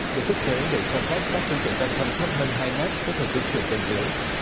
được thiết kế để cho phép các phương tiện giao thông thấp hơn hai mét có thể di chuyển bên dưới